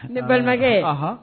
Ne balimakɛ